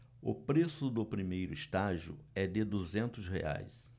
o preço do primeiro estágio é de duzentos reais